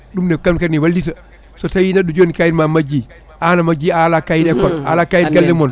ɗumne kam kadi ne wallita so tawi neɗɗo joni kayit ma majji an a majji a ala kayit école a ala kayit galle moon